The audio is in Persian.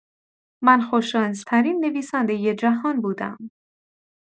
من خوش‌شانس‌ترین نویسنده جهان بودم.